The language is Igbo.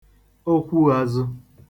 okwuāzụ̄